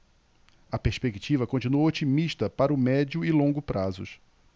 a perspectiva continua otimista para o médio e longo prazos